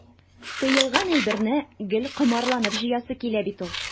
Тыелган әйберне гел комарланып җыясы килә бит ул.